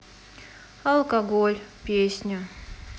алкоголь песня